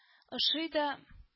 – ошый да